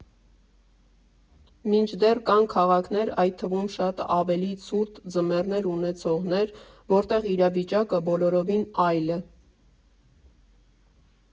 Մինչդեռ կան քաղաքներ, այդ թվում շատ ավելի ցուրտ ձմեռներ ունեցողները, որտեղ իրավիճակը բոլորովին այլ է։